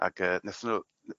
Ag yy nethon n'w